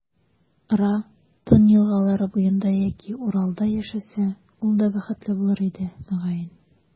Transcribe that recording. Ра, Тын елгалары буенда яки Уралда яшәсә, ул да бәхетле булыр иде, мөгаен.